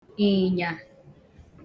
ị̀nyà